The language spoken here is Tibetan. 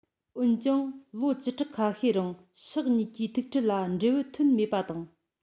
འོན ཀྱང ལོ བཅུ ཕྲག ཁ ཤས རིང ཕྱོགས གཉིས ཀྱི ཐུག འཕྲད ལ འབྲས བུ ཐོན མེད པ དང